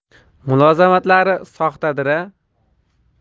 mulozamatlari soxtadir a